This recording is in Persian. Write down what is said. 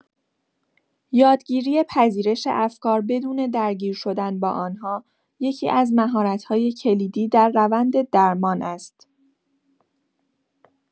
یادگیری پذیرش افکار بدون درگیر‌شدن با آن‌ها، یکی‌از مهارت‌های کلیدی در روند درمان است.